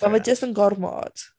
Ma' fe... ie ...jyst yn gormod.